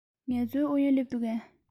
ངལ རྩོལ ཨུ ཡོན སླེབས འདུག གས